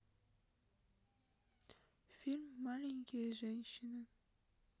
фильм маленькие женщины